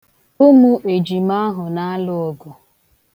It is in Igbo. Ụmụ ejima ahụ na-alụ ọgụ.